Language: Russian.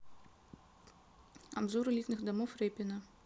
обзор элитных домов репино